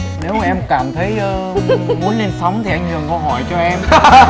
nếu mà em cảm thấy ơ muốn lên sóng thì anh nhường câu hỏi cho em